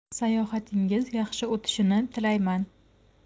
sayohatingiz yaxshi otishini tilayman